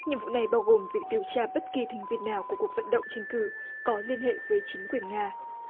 nhiệm vụ này bao gồm việc điều tra bất kỳ thành viên nào của cuộc vận động tranh cử có liên hệ với chính quyền nga